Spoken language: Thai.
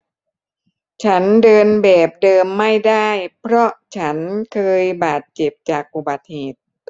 ฉันเดินแบบเดิมไม่ได้เพราะฉันเคยบาดเจ็บจากอุบัติเหตุ